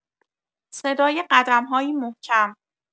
صدای قدم‌هایی محکم